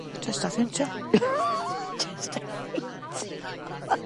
Jyst a ffeintio. Jyst a ffeintio.